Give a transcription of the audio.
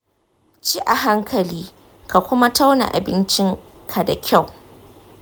ci a hankali, ka kuma tauna abincin ka da kyau.